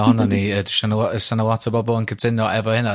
ohona ni dwi'n siŵr 'sa 'na lot o bobol yn cytuno efo hyna. Lle be amdanac chdi